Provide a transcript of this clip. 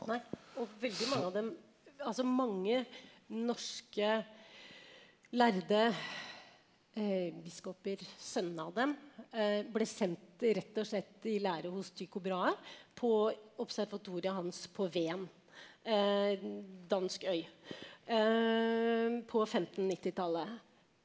nei og veldig mange av dem altså mange norske, lærde biskoper, sønnene av dem, ble sendt rett og slett i lære hos Tycho Brahe på observatoriet hans på Ven dansk øy på femtennittitallet.